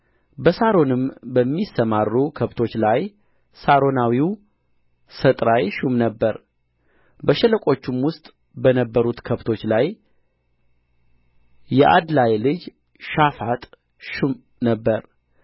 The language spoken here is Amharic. በሳሮንም በሚሰማሩ ከብቶች ላይ ሳሮናዊው ሰጥራይ ሹም ነበረ በሸለቆቹም ውስጥ በነበሩት ከብቶች ላይ የዓድላይ ልጅ ሻፍጥ ሹም ነበረ